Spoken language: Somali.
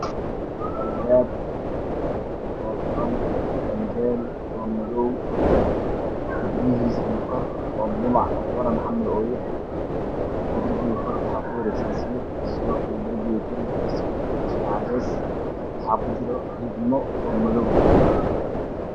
Waa guri Albaabka furan waana albaab madow ah darbiga waa jaallo